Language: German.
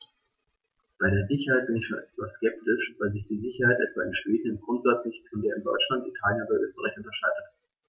Bei der Sicherheit bin ich schon etwas skeptisch, weil sich die Sicherheit etwa in Schweden im Grundsatz nicht von der in Deutschland, Italien oder Österreich unterscheidet.